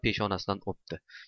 peshonasidan o'pdi